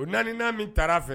O 4 nan min taara fɛ